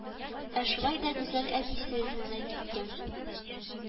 Ә шулай да Гүзәл әтисе эзеннән киткән